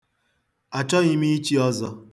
Achọghị m ichi ọzọ.